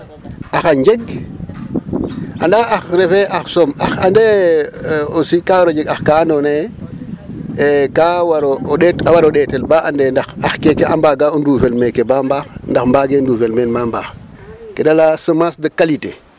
Anda ax refee ax soom anda aussi ka war o jeg ax ka andoona yee aussi e% ka war o o ɗeet a wara ɗeetel ba ande ndax ax keke a mbaaga o nduufel meeke ba mbaax ndax mbaagee nduufel men ba mbaax ke da laya yee semence de qualité.